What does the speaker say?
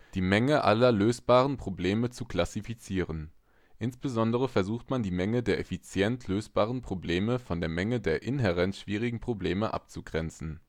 die Menge aller lösbaren Probleme zu klassifizieren. Insbesondere versucht man, die Menge der effizient lösbaren Probleme von der Menge der inhärent schwierigen Probleme abzugrenzen